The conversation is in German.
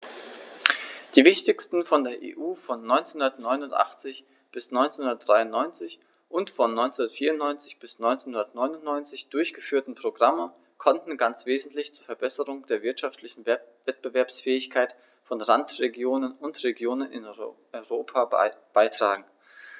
Die wichtigsten von der EU von 1989 bis 1993 und von 1994 bis 1999 durchgeführten Programme konnten ganz wesentlich zur Verbesserung der wirtschaftlichen Wettbewerbsfähigkeit von Randregionen und Regionen in Europa beitragen.